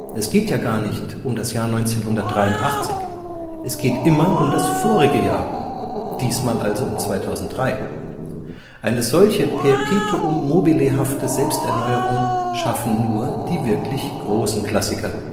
Es geht ja gar nicht um das Jahr 1983, es geht immer um das vorige Jahr – diesmal also um 2003. Eine solche perpetuum-mobile-hafte Selbsterneuerung schaffen nur die wirklich großen Klassiker